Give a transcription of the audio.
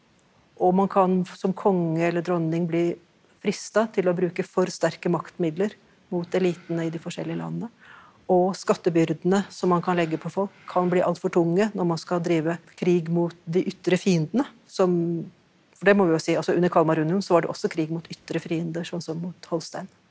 og man kan som konge eller dronning bli frista til å bruke for sterke maktmidler mot elitene i de forskjellige landene og skattebyrdene som man kan legge på folk kan bli altfor tunge når man skal drive krig mot de ytre fiendene som, for det må vi jo si altså under Kalmarunionen var det også krig mot ytre fiender sånn som mot Holstein.